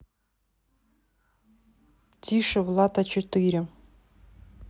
тише влад а четыре